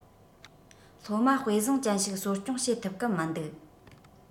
སློབ མ དཔེ བཟང ཅན ཞིག གསོ སྐྱོངས བྱེད ཐུབ གི མི འདུག